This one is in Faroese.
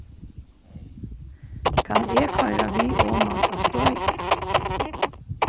kann eg koyra við oman á støðina